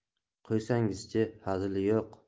qo'ysangchi hazili yo'q